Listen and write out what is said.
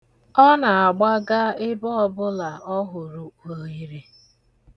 Ọ na-agbaga ebe ọbụla ọ hụrụ oghere.